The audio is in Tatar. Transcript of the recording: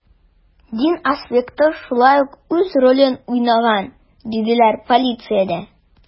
Дин аспекты шулай ук үз ролен уйнаган, диделәр полициядә.